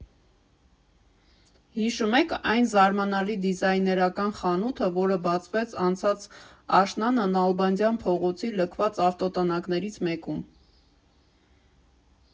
Հիշու՞մ եք այն զարմանալի դիզայներական խանութը, որը բացվեց անցած աշնանը Նալբանդյան փողոցի լքված ավտոտնակներից մեկում։